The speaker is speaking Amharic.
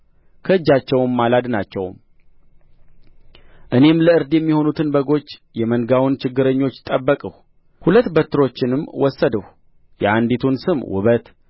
ከእጃቸውም አላድናቸውም እኔም ለእርድ የሚሆኑትን በጎች የመንጋውን ችግረኞች ጠበቅሁ ሁለት በትሮችንም ወሰድሁ የአንዲቱን ስም ውበት